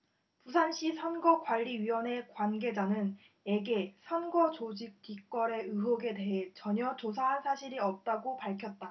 부산시선거관리위원회 관계자는 에게 선거조직 뒷거래의혹에 대해 전혀 조사한 사실이 없다고 밝혔다